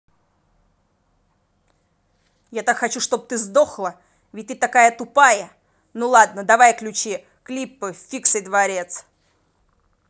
я так хочу чтобы ты сдохла ведь ты такая тупая ну ладно давай включи клипы фиксай дворец